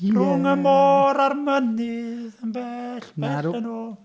Rhwng y môr a'r mynydd, yn bell, bell yn ôl... Nadw.